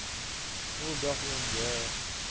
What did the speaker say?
u goh o'ngga